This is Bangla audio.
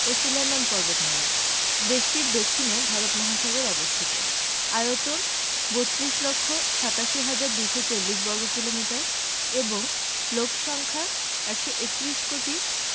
ও সুলেমান পর্বতমালা দেশটির দক্ষিণে ভারত মহাসাগর অবস্থিত আয়তন ৩২ লক্ষ ৮৭ হাজার ২৪০ বর্গ কি মি এবং লোক সংখ্যা ১৩১ কোটি